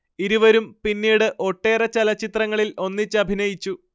ഇരുവരും പിന്നീട് ഒട്ടേറെ ചലച്ചിത്രങ്ങളിൽ ഒന്നിച്ചഭിനയിച്ചു